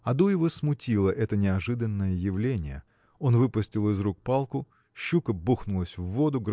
Адуева смутило это неожиданное явление. Он выпустил из рук палку щука бухнулась в воду